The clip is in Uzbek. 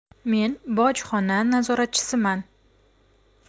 men bojxona nazoratchisiman